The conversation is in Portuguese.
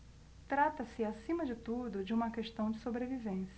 trata-se acima de tudo de uma questão de sobrevivência